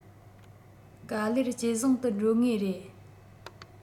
ག ལེར ཇེ བཟང དུ འགྲོ ངེས རེད